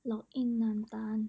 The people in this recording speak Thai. ล็อกอินนามตาล